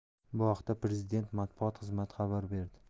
bu haqda prezident matbuot xizmati xabar berdi